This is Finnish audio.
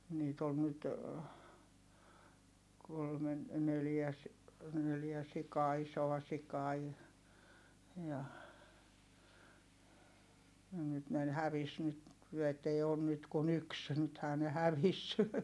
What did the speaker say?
niitä oli nyt kolmen neljä - neljä sikaa isoa sikaa - ja ja nyt ne - hävisi nyt että ei ole nyt kuin yksi nythän ne hävisi